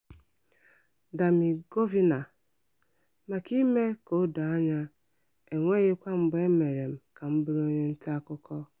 Damy Govina (DG): Maka ịme ka o doo anya, enwghịkwa mgbe emere m ka m bụrụ onye nta akụkọ.